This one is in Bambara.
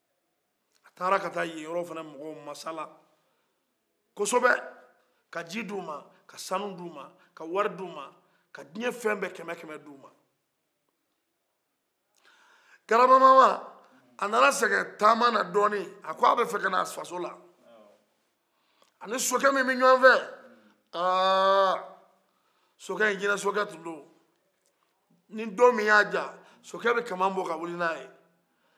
ka ji di u ma ka sanu di u ma ka wari di u ma ka dunuya fɛn bɛɛ kɛmɛkɛmɛ di u ma grabamama a nana sɛgɛ taama dɔni a ko a bɛ fɛ ka na a faso la a ni sokɛ min bɛ ɲɔgɔn fɛ aaa sokɛ in jinɛ sokɛtundo ni do min ye a diya sokɛ bɛ kama bɔ ka wili ni a ye ni sokɛ ye kama wili ka bɔ ni a ye